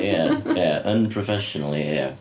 Ia ia, unprofessionally ia.